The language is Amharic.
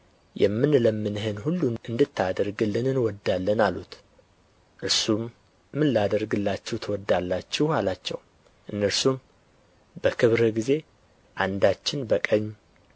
የምንለምንህን ሁሉ እንድታደርግልን እንወዳለን አሉት እርሱም ምን ላደርግላችሁ ትወዳላችሁ አላቸው እነርሱም በክብርህ ጊዜ አንዳችን በቀኝ